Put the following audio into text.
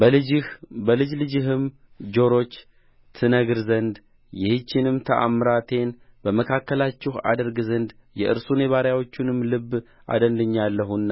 በልጅህ በልጅ ልጅህም ጆሮች ትነግር ዘንድ ይህችንም ተአምራቴን በመካከላቸው አደረግ ዘንድ የእርሱን የባሪያዎቹንም ልብ አደንድኜአለሁና